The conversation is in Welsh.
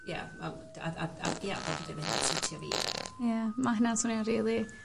ia ma' o'n d- a a a ia a fel dwi'n dweud ma' hynna'n siwtio fi 'de? Ia ma' hynna'n swnio rili